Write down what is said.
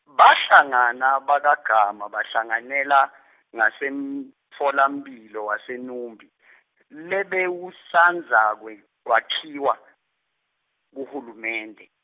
bahlangana bakaGama bahlanganela ngasemtfolamphilo waseNumbi, lebewusandza kwe kwakhiwa, nguhulumende.